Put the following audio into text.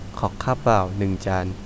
ขอข้าวเปล่าหนึ่งจาน